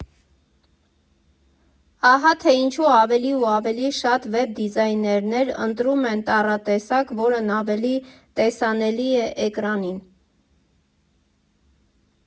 Ահա թե ինչու ավելի ու ավելի շատ վեբ դիզայներներ ընտրում են տառատեսակ, որն ավելի տեսանելի է էկրանին։